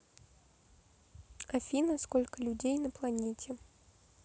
афина сколько людей на планете